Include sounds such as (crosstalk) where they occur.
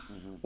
(hesitation) (hesitation)